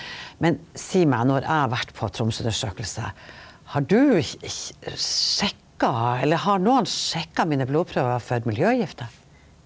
men sei meg når eg har vore på Tromsøundersøkelse, har du sjekka eller har nokon sjekka mine blodprøvar for miljøgifter?